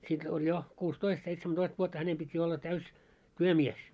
sitten oli jo kuusitoista seitsemäntoista vuotta hänen piti jo olla täysi työmies